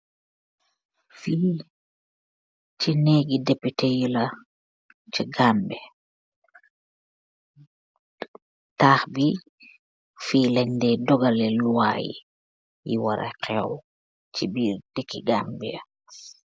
Fi chi naygi dipiteh yeela, chi Gambi. Tahk bi fi len day dogaleh luwa yi wara hew chi birr dekki Gambia.